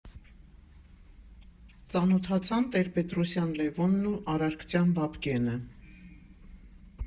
Ծանոթացան Տեր֊Պետրոսյան Լևոնն ու Արարքցյան Բաբկենը։